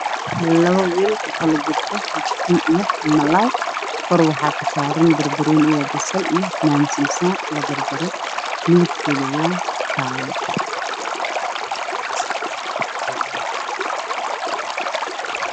Waa laba saxan waxaa ku jira malaay